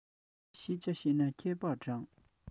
ཤེས བྱ ཤེས ན མཁས པར བགྲང